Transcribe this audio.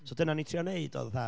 So dyna o'n i'n trio wneud oedd fatha,